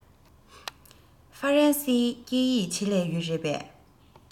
ཧྥ རན སིའི སྐད ཡིག ཆེད ལས ཡོད རེད པས